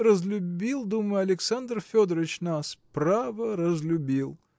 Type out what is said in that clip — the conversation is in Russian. разлюбил, думаю, Александр Федорыч нас, право разлюбил.